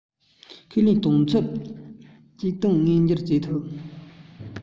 ཁས ལེན དུང ཕྱུར ཆིག སྟོང མངོན འགྱུར བྱེད ཐུབ